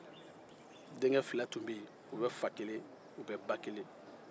denkɛ fila tun bɛ yen u be fa kelen u be ba kelen